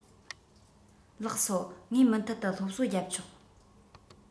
ལགས སོ ངས མུ མཐུད དུ སློབ གསོ རྒྱབ ཆོག